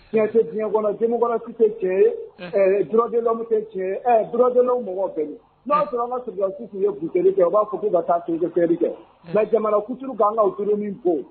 Sumu bɔrase cɛjɛlaw cɛjɛlaw mɔgɔ n' sɔrɔ an ka sirisiw tun ye g kɛ u b'a fɔ ka' kɛ nka jamana kutu'an ka don min ko